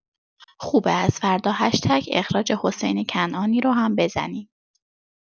خوبه از فردا هشتگ اخراج حسین کنعانی رو هم بزنین.